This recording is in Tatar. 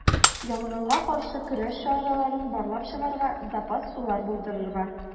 Янгынга каршы көрәш чараларын барлап чыгарга, запас сулар булдырырга.